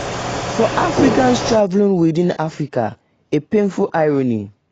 For Africans traveling within Africa: A painful irony